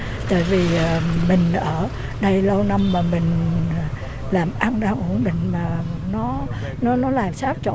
tại vì à mừn ở đây lâu năm mà mừn làm ăn đã ổn định mà nó nó nó làm xáo trộn